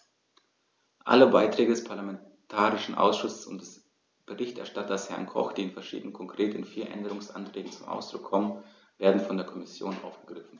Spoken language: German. Alle Beiträge des parlamentarischen Ausschusses und des Berichterstatters, Herrn Koch, die in verschiedenen, konkret in vier, Änderungsanträgen zum Ausdruck kommen, werden von der Kommission aufgegriffen.